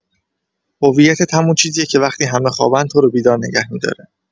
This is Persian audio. هویتت همون چیزیه که وقتی همه خوابن، تو رو بیدار نگه می‌داره.